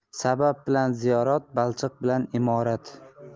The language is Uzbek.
sabab bilan ziyorat balchiq bilan imorat